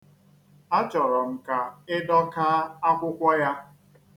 Achọrọ m ka ị dọkaa akwụkwọ ya.